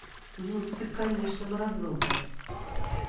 ну ты конечно мразота